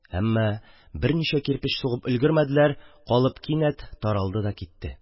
Әммә берничә кирпеч сугып өлгермәделәр, калып кинәт таралды да китте.